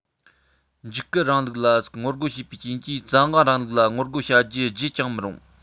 འཇིགས སྐུལ རིང ལུགས ལ ངོ རྒོལ བྱེད པའི རྐྱེན གྱིས བཙན དབང རིང ལུགས ལ ངོ རྒོལ བྱ རྒྱུ བརྗེད ཀྱང མི རུང